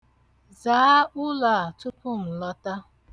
Zaa ụlọ a tupu m lọta.